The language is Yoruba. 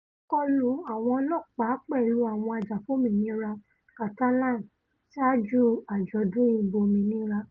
Ìkọlù àwọn ọlọ́ọ̀pá pẹ̀lú àwọn ajàfómìnira Catalan sáájú àjọ̀dun ìbò òmìnira